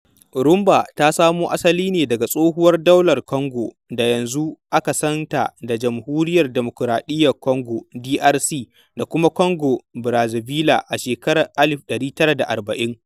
Rhumba ta samo asali ne daga tsohuwar daular Kongo da yanzu aka san ta da Jamhuriyar Demokoraɗiyyar Kongo (DRC) da kuma Congo-Brazzaville a shekarar 1940.